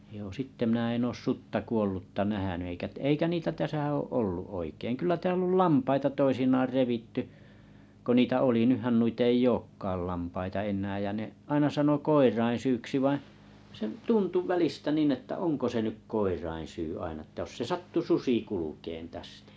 joo sitten minä en ole sutta kuollutta nähnyt eikä eikä niitä tässä ole ollut oikein kyllä täällä oli lampaita toisinaan revitty kun niitä oli nythän noita ei olekaan lampaita enää ja ne aina sanoi koirien syyksi vaan se tuntui välistä niin että onko se nyt koirien syy aina että jos se sattui susi kulkemaan tästä